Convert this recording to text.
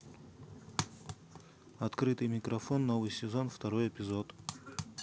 открытый микрофон новый сезон второй эпизод